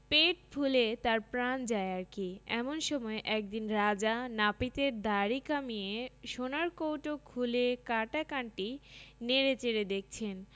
পেট ফুলে তার প্রাণ যায় আর কি এমন সময় একদিন রাজা নাপিতের দাড়ি কামিয়ে সোনার কৌটো খুলে কাটা কানটি নেড়ে চেড়ে দেখছেন